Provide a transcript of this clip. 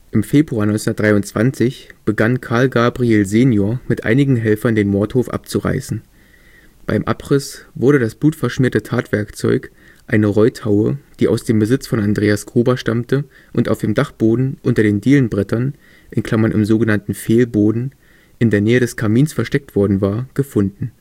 Im Februar 1923 begann Karl Gabriel sen., mit einigen Helfern den Mordhof abzureißen. Beim Abriss wurde das blutverschmierte Tatwerkzeug, eine Reuthaue, die aus dem Besitz von Andreas Gruber stammte und auf dem Dachboden unter den Dielenbrettern (im sogenannten Fehlboden) in der Nähe des Kamins versteckt worden war, gefunden